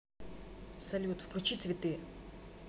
салют выключи цветы